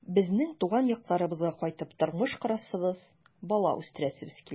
Безнең туган якларыбызга кайтып тормыш корасыбыз, бала үстерәсебез килә.